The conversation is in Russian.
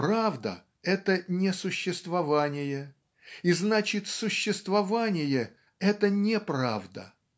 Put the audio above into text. Правда, это - несуществование, и значит, существование - это неправда.